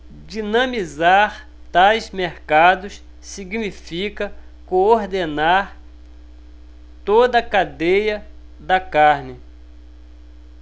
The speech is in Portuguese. dinamizar tais mercados significa coordenar toda a cadeia da carne